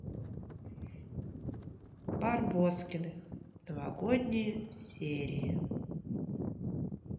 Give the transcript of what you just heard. барбоскины новогодние серии